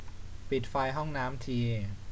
ปิดไฟห้องน้ำที